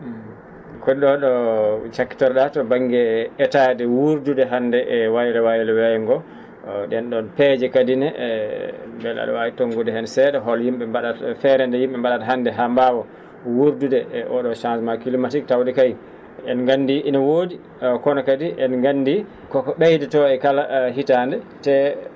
ko noon ?oon cakkitori?aa to ba?nge etaade wuurdude hannde e waylo waylo weeyo ngo ?een ?oon peeje kadi ne e mbele a?a waawi to?ngude heen see?a hol yim?e mba?ata feere nde yim?e mba?ata hannde haa mbaawa wuurdude e oo ?oo changement :frra climatique tawde kay en ngandii ina woodi kono kadi en ngandii ko ko ?eydotoo e kala hitaande te